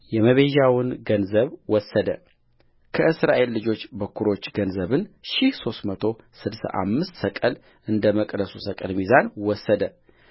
የመቤዣውን ገንዘብ ወሰደከእስራኤል ልጆች በኵሮች ገንዘቡን ሺህ ሦስት መቶ ስድሳ አምስት ሰቅል እንደ መቅደሱ ሰቅል ሚዛን ወሰደ